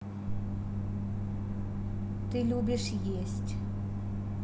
ты любишь есть